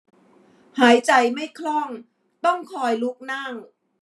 หายใจไม่คล่องต้องคอยลุกนั่ง